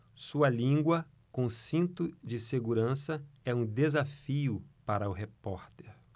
sua língua com cinto de segurança é um desafio para o repórter